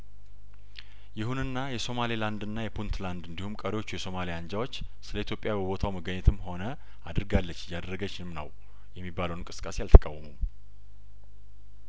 ይሁንና የሶማሌ ላንድና የፑንትላንድ እንዲሁም ቀሪዎቹ የሶማሊያ አንጃዎች ስለኢትዮጵያ በቦታው መገኘትም ሆነ አድርጋለች እያደረገችም ነው የሚባለውን እንቅስቃሴ አልተቃወሙም